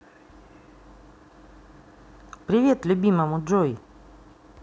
привет любимому джой